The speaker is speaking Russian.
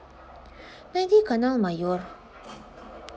найди канал майор